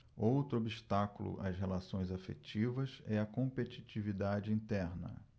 outro obstáculo às relações afetivas é a competitividade interna